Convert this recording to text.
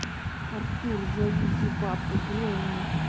артур зовите бабка гренни